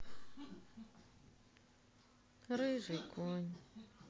рыжий конь